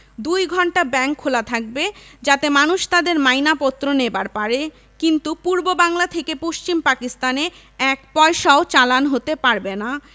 ২ ঘন্টা ব্যাংক খোলা থাকবে যাতে মানুষ তাদের মাইনা পত্র নেবার পারে কিন্তু পূর্ববাংলা থেকে পশ্চিম পাকিস্তানে এক পয়সাও চালান হতে পারবে না